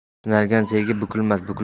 sinalgan sevgi bukilmas